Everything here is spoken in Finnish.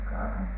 Kaakamassa